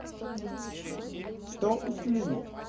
что установить